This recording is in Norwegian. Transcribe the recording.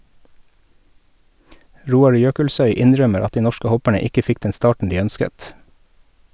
Roar Ljøkelsøy innrømmer at de norske hopperne ikke fikk den starten de ønsket.